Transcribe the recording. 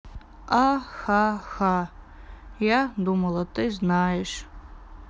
ахаха я думала ты знаешь